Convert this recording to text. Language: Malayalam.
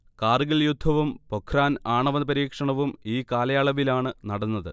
കാർഗിൽ യുദ്ധവും പൊഖ്റാൻ ആണവ പരീക്ഷണവും ഈ കാലയളവിലാണ് നടന്നത്